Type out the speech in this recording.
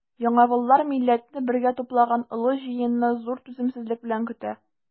Яңавыллар милләтне бергә туплаган олы җыенны зур түземсезлек белән көтә.